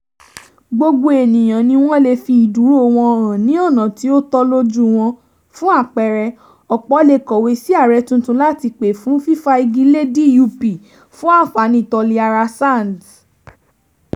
Gbogbo ènìyàn ní wọ́n lè fi ìdúró wọn hàn ní ọ̀nà tí ó tọ́ lójú wọn - fún àpẹẹrẹ, ọ̀pọ̀ lè kọ̀wé sí ààrẹ tuntun láti pè fún fífa igi le DUP fún àǹfààní Toliara Sands.